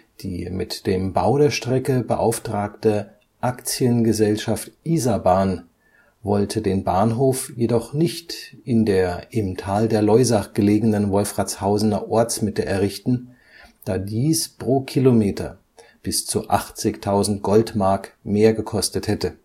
Die mit dem Bau der Strecke beauftragte Aktiengesellschaft Isarbahn wollte den Bahnhof jedoch nicht in der im Tal der Loisach gelegenen Wolfratshausener Ortsmitte errichten, da dies pro Kilometer bis zu 80.000 Goldmark mehr gekostet hätte